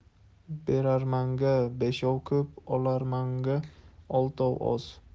berarmanga beshov ko'p olarmanga oltov oz